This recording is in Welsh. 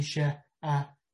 isie yy